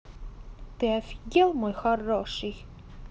ты офигел мой хороший